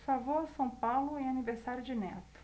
só vou a são paulo em aniversário de neto